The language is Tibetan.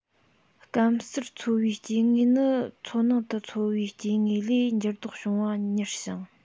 སྐམ སར འཚོ བའི སྐྱེ དངོས ནི མཚོ ནང དུ འཚོ བའི སྐྱེ དངོས ལས འགྱུར ལྡོག བྱུང བ མྱུར ཞིང